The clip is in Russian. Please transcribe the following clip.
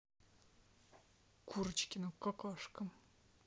курочкина какашка